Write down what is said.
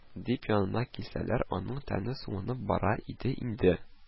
– дип янына килсәләр, аның тәне суынып бара иде инде